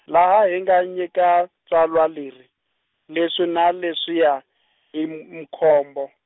laha hi nga nyika tsalwa leri, leswi na leswiya, i m- Mkhombo.